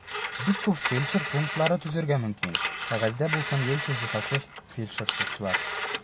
Бик күп фельдшер пунктлары төзергә мөмкин (кәгазьдә булсын яисә җиһазсыз, фельдшерларсыз).